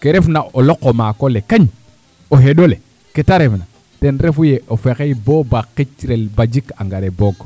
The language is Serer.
ke refna o loq o maak ole kañ o xeɗ ole ke ta refna ten refu yee o fexey bo baa xicrel baa jik engrais boog